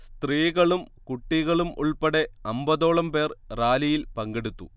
സ്ത്രീകളും കുട്ടികളും ഉൾപ്പെടെ അമ്പതോളം പേർ റാലിയിൽ പങ്കെടുത്തു